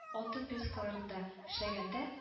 Алтын прискаларында эшләгәндә